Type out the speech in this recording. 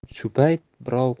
shu payt birov